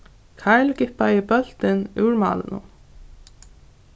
karl gippaði bóltin úr málinum